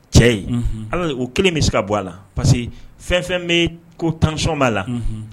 Cɛ in a la o kelen bɛ se ka bɔ a la parce que fɛn fɛn bɛ ko tansion b'a la.